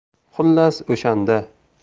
xullas o'shanda